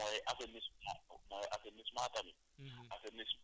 ah mooy assainissement d' eau assainissement d' habits